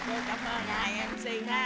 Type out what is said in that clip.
hai em xi há